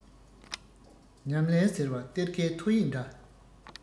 ཉམས ལེན ཟེར བ གཏེར ཁའི ཐོ ཡིག འདྲ